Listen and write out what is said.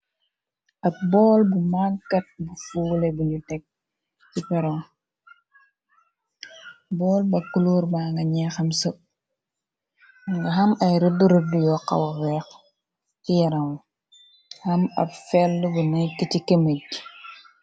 Ab bool bu magkat bu fuule buñu teg ci peron bool ba culuur ba nga ñeexam sëp nga xam ay rëddu rëdd yoo xawa weex ci yaran xam ab fell bu nekk ci kemej.